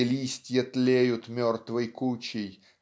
где листья тлеют мертвой кучей